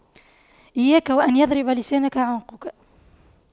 إياك وأن يضرب لسانك عنقك